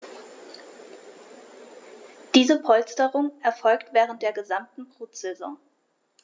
Diese Polsterung erfolgt während der gesamten Brutsaison.